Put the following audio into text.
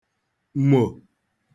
mò